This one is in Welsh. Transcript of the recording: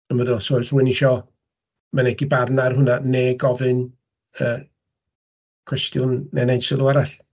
Dwi'm yn gwybod oes rhywun isio mynegi barn ar hwnna, neu gofyn cwestiwn neu wneud sylw arall.